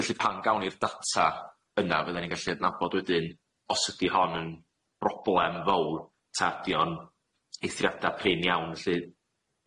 Felly pan gawn ni'r data yna fyddan ni'n gallu adnabod wedyn os ydi hon yn broblem fowr ta ydi o'n eithriada prin iawn felly,